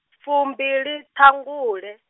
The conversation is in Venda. fumbili ṱhangule.